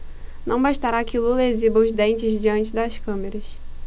não bastará que lula exiba os dentes diante das câmeras